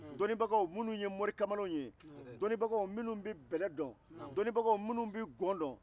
dɔnnibagaw minnu ye morikamalenw ye dɔnnibagaw minnu bɛ bɛlɛ dɔn dɔnnibagaw minnu bɛ gɔ dɔn